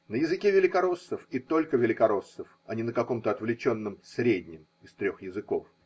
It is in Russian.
На языке великороссов и только великороссов, а не на каком-то отвлеченном среднем из трех языков.